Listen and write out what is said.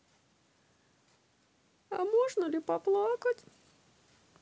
а можно ли поплакать